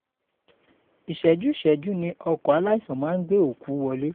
"Ìṣẹ́jú-ìṣẹ́jú ni ọkọ̀ aláísàn máa ń gbé okú wọlé..